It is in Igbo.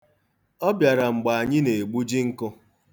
Ọ bịara mgbe anyị na-egbuji nkụ.